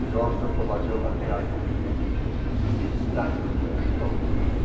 Джорджо положил Адриане руку на плечо: -- Перестань, милая, что ты.